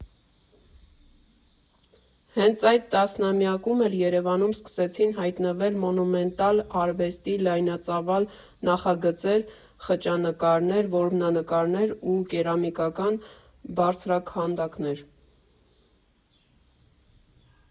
Հենց այդ տասնամյակում էլ Երևանում սկսեցին հայտնվել մոնումենտալ արվեստի լայնածավալ նախագծեր՝ խճանկարներ, որմնանկարներ ու կերամիկական բարձրաքանդակներ։